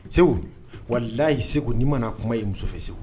Segu wala la'i segu n'i mana kuma ye muso fɛ segu